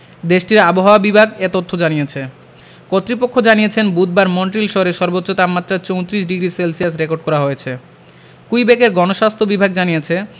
দেশটির আবহাওয়া বিভাগ এ তথ্য জানিয়েছে কর্তৃপক্ষ জানিয়েছে বুধবার মন্ট্রিল শহরে সর্বোচ্চ তাপমাত্রা ৩৪ ডিগ্রি সেলসিয়াস রেকর্ড করা হয়েছে কুইবেকের গণস্বাস্থ্য বিভাগ জানিয়েছে